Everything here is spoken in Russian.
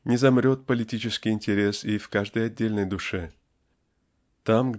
не замрет политический интерес и в каждой отдельной душе. Там